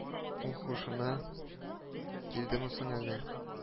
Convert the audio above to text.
— ул һушына килдеме соң әле